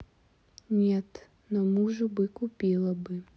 нет но мужу бы купила бы